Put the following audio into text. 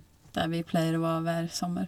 Der vi pleier å være hver sommer.